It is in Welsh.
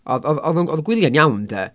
Oedd oedd oedd o'n oedd y gwyliau'n iawn de?